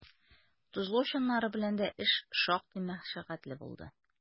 Тозлау чаннары белән дә эш шактый мәшәкатьле булды.